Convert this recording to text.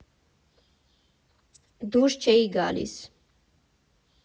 Դուրս չէի գալիս։